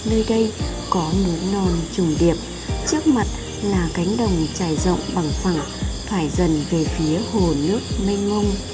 nơi đây có núi non trùng điệp trước mặt là cánh đồng trải rộng bằng phẳng thoải dần về phía hồ nước mênh mông